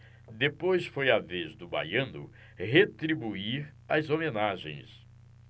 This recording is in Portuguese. depois foi a vez do baiano retribuir as homenagens